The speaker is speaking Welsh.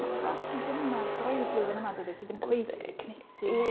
Ma' Pasg yn gynnar braidd flwyddyn yma dydy, so 'di hi ddim cweit 'di cynhesu nac 'di.